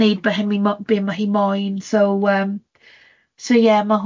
...wneud be hynny mo- be ma' hi moyn, so yym so ie ma'